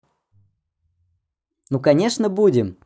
ну конечно будем